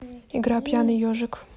игра пьяный ежик